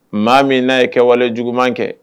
Maa min n'a ye kɛwale juguman kɛ